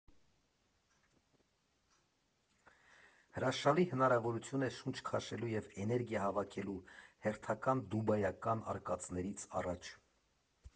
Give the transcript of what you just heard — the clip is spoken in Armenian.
Հրաշալի հնարավորություն է շունչ քաշելու և էներգիա հավաքելու՝ հերթական դուբայական արկածներից առաջ։